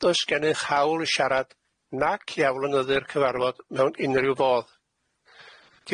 oes gennych hawl i siarad, nac i afloynyddu'r cyfarfod mewn unrhyw fodd.